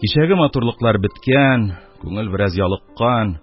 Кичәге матурлыклар беткән, күңел бераз ялыккан,